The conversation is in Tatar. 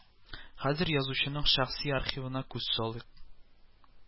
Хәзер язучының шәхси архивына күз салыйк